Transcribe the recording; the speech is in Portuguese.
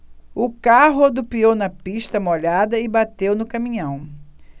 o carro rodopiou na pista molhada e bateu no caminhão